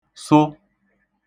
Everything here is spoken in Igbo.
sụ